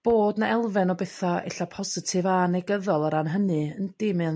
bod 'na elfen o betha' ella positif a negyddol o ran hynny yndy ma' o'n